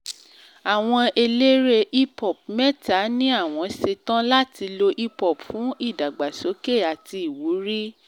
Àwọn eléré hip hop mẹ́ta ní àwọn ṣe tán láti lo hip hop fún ìdàgbàsókè àti ìwúrí.